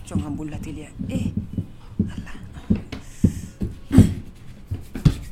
Jɔn ka bolo lateliya